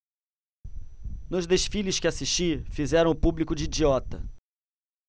nos desfiles que assisti fizeram o público de idiota